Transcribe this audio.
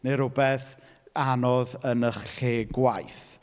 neu rywbeth anodd yn eich lle gwaith.